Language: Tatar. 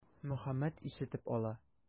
Мөхәммәт ишетеп ала.